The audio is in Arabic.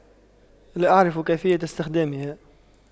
لا اعرف كيفية استخدامها